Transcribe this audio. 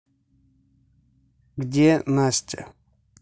где настя